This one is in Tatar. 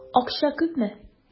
Акча күпме?